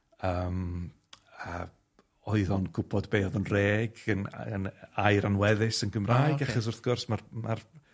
yym yy oedd o'n gwbod be' o'dd yn rheg yn a- yn air anweddus yn Gymraeg... A ocê. ...achos wrth gwrs ma'r ma'r